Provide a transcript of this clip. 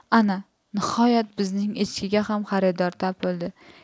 ana nihoyat bizning echkiga ham xaridor topildi